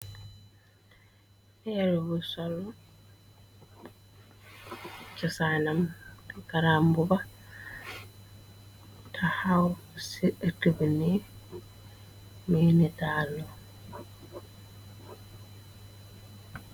Merr bu sol cosanam , gara mbuba, taxaw ci erta bi ni mu nataalu.